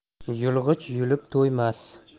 yulg'ich yulib to'ymas